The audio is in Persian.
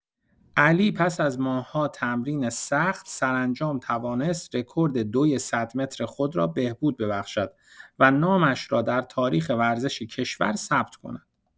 علی پس از ماه‌ها تمرین سخت، سرانجام توانست رکورد دوی صد متر خود را بهبود ببخشد و نامش را در تاریخ ورزش کشور ثبت کند.